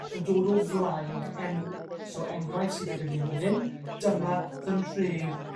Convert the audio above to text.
yn dod o flaen enw. So enghraiff sy gyda ni yn fan 'yn, dyma fy nhref